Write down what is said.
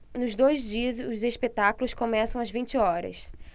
nos dois dias os espetáculos começam às vinte horas